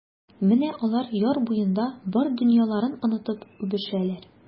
Менә алар яр буенда бар дөньяларын онытып үбешәләр.